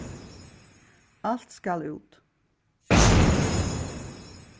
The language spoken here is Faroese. alt skal út